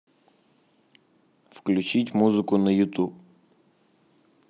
включить музыку на ютуб